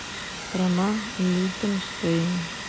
страна лихтенштейн